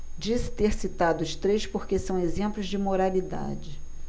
disse ter citado os três porque são exemplos de moralidade